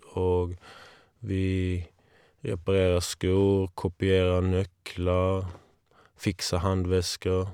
Og vi reparerer sko, kopierer nøkler, fikser håndvesker.